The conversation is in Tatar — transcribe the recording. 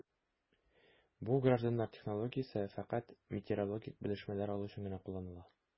Бу гражданнар технологиясе фәкать метеорологик белешмәләр алу өчен генә кулланыла...